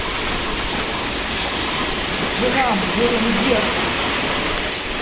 жена болингер